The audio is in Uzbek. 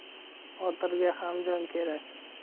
botirga ham jon kerak